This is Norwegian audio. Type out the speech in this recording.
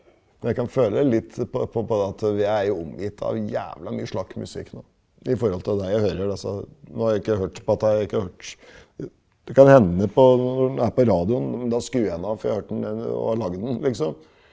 jeg kan føle litt på på på det at vi er jo omgitt av jævla mye slakk musikk nå i forhold til det jeg hører, altså nå har jeg ikke hørt på at jeg ikke har hørt det kan hende på når den er på radioen men da skrur jeg den av for jeg har hørt den og lagd den liksom.